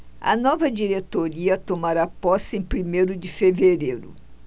a nova diretoria tomará posse em primeiro de fevereiro